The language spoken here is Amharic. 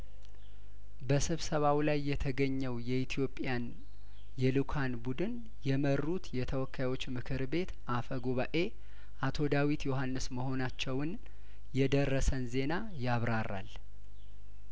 በስብሰባው ላይ የተገኘው የኢትዮጵያን የልኡካን ቡድን የመሩት የተወካዮች ምክር ቤት አፈ ጉባኤ አቶ ዳዊት ዮሀንስ መሆናቸውን የደረሰን ዜና ያብራራል